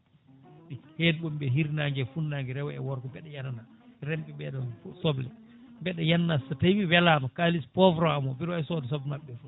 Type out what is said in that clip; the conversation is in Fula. ɓe ketɓemi ɓe hirnague e funnague e rewo e worgo mbiɗa yenana remɓe ɓeeɗon soble mbeɗa yenana so tawi welama kalis poivron amo o mbiɗa wawi sodde soble mabɓe ɗe foof